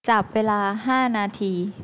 จับเวลาห้านาที